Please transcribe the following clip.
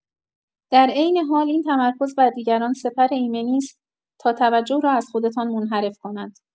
در عین‌حال این تمرکز بر دیگران سپر ایمنی است تا توجه را از خودتان منحرف کند.